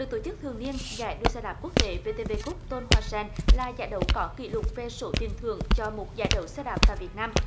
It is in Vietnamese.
được tổ chức thường niên giải đua xe đạp quốc tế vê tê vê cúp tôn hoa sen là giải đấu có kỷ lục về số tiền thưởng cho một giải đấu xe đạp tại việt nam